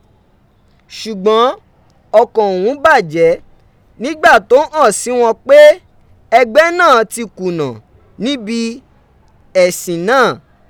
Ṣùgbọ́n ọ̀kàn òun bàjẹ́ nígbà tó hàn sí òun pé ẹgbẹ́ náà ti kùnà níbi ẹ̀sìn náà.